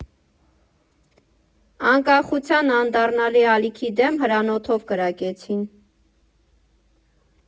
Անկախության անդառնալի ալիքի դեմ հրանոթով կրակեցին։